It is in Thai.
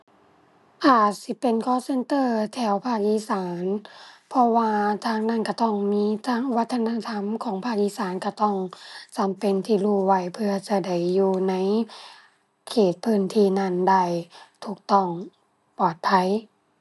ถ้าสิเป็น call center แถวภาคอีสาน เพราะว่าทางนั้นก็ต้องมีทั้งวัฒนธรรมของภาคอีสาน ก็ต้องจำเป็นที่รู้ไว้เพื่อจะได้อยู่ในเขตพื้นที่นั้นได้ถูกต้อง ปลอดภัย